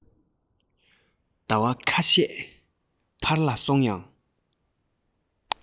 ཟླ བ ཁ ཤས ཕར ལ སོང ཡང